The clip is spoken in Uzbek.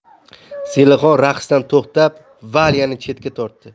zelixon raqsdan to'xtab valyani chetga tortdi